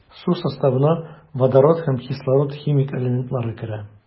Су составына водород һәм кислород химик элементлары керә.